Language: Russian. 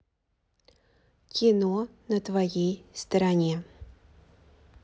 кино на твоей стороне